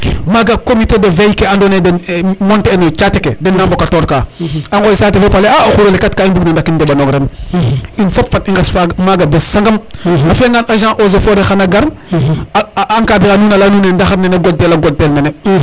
maga comité de veille ke ando naye den monter e no caate ke dena mbokator ka a ŋooy saate fe fop a leye a o xuro le kat ga i mbug no ndakin ndeɓanong ren in fop fat i nges maga bes sangam a fiya ngan agent eaux et foret xana gar a encadrer a nuun a leya nuune ndaxar nene god tel a god tel nene